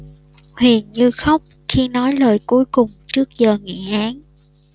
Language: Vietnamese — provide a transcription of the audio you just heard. huyền như khóc khi nói lời cuối cùng trước giờ nghị án